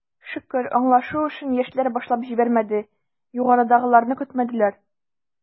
Шөкер, аңлашу эшен, яшьләр башлап җибәрде, югарыдагыларны көтмәделәр.